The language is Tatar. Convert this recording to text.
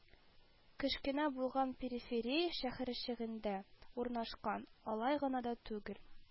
Кечкенә булган периферий шәһәрчегендә урнашкан, алай гына да түгел,